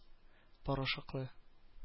Порошокны